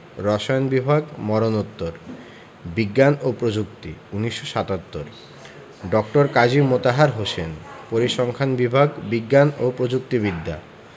রসায়ন বিভাগ মরণোত্তর বিজ্ঞান ও প্রযুক্তি ১৯৭৭ ড. কাজী মোতাহার হোসেন পরিসংখ্যান বিভাগ বিজ্ঞান ও প্রযুক্তি বিদ্যা